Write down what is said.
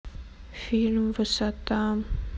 фильм высота